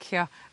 licio